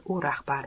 u rahbar